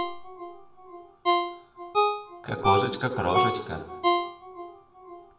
кокошечка крошечка